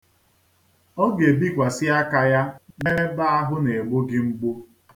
Ọ ga-ebikwasị aka ya n'ebe ahụ na-egbu gị mgbu.